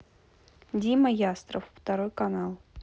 дима ястров второй канал